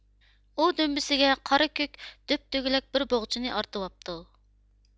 ئۇ دۈمبىسىگە قارا كۆك دۆپدۆگىلەك بىر بوغچىنى ئارتىۋاپتۇ